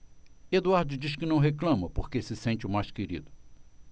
eduardo diz que não reclama porque se sente o mais querido